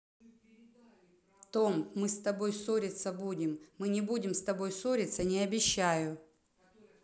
tomb мы с тобой ссориться будем мы не будем с тобой ссориться не обещаю